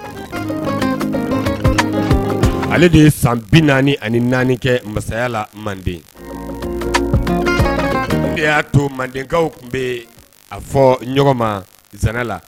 Ale de ye san bi naani ani naani kɛ masaya la manden ne y'a to mandekaw tun bɛ yen a fɔ z la